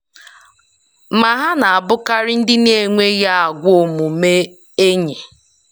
Ma ha na-abụkarị ndị na-enweghị agwa omume enyi.